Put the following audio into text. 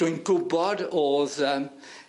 Dwi'n gwbod o'dd yym